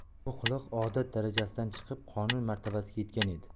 bu qiliq odat darajasidan chiqib qonun martabasiga yetgan edi